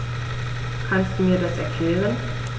Kannst du mir das erklären?